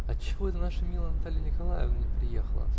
-- Отчего это наша милая Наталья Николаевна не приехала?